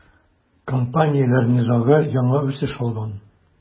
Компанияләр низагы яңа үсеш алган.